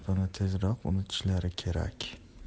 tezroq unutishlari kerak